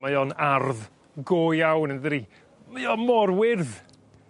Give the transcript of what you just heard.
Mae o'n ardd go iawn ynddydi? Mae o mor wyrdd!